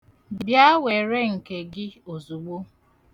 Bịa were nke gị ozugbo.